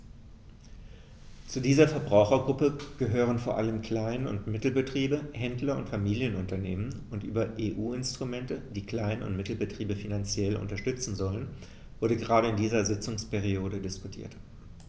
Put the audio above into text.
Zu dieser Verbrauchergruppe gehören vor allem Klein- und Mittelbetriebe, Händler und Familienunternehmen, und über EU-Instrumente, die Klein- und Mittelbetriebe finanziell unterstützen sollen, wurde gerade in dieser Sitzungsperiode diskutiert.